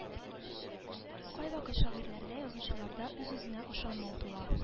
Кайвакыт шагыйрьләрдә язучыларда үз-үзенә ышанмау туа